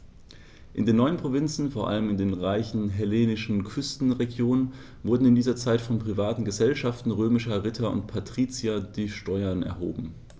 In den neuen Provinzen, vor allem in den reichen hellenistischen Küstenregionen, wurden in dieser Zeit von privaten „Gesellschaften“ römischer Ritter und Patrizier die Steuern erhoben.